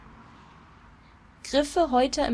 Griffe heute